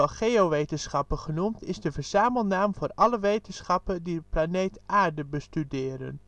geowetenschappen genoemd, is de verzamelnaam voor alle wetenschappen die de planeet aarde bestuderen